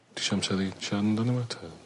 Tisio amser i siar amdano fo 'ta